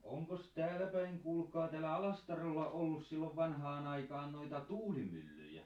onkos täälläpäin kuulkaa täällä Alastarolla ollut silloin vanhaan aikaan noita tuulimyllyjä